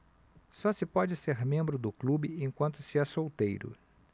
só se pode ser membro do clube enquanto se é solteiro